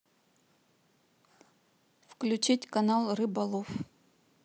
включить канал рыболов